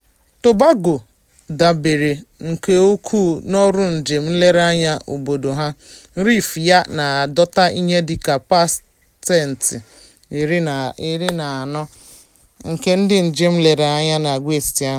Tobago dabere nke ukwuu n'ọrụ njem nlereanya anya obodo ha; Reef ya na-adọta ihe dị ka pasenti 40 nke ndị njem nlereanya n'àgwàetiti ahụ.